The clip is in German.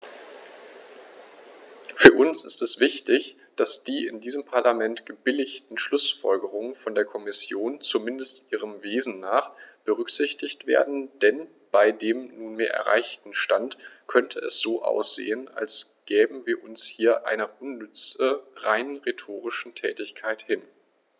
Für uns ist es wichtig, dass die in diesem Parlament gebilligten Schlußfolgerungen von der Kommission, zumindest ihrem Wesen nach, berücksichtigt werden, denn bei dem nunmehr erreichten Stand könnte es so aussehen, als gäben wir uns hier einer unnütze, rein rhetorischen Tätigkeit hin.